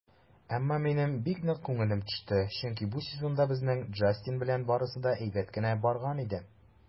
Әмма минем бик нык күңелем төште, чөнки бу сезонда безнең Джастин белән барысы да әйбәт кенә барган иде.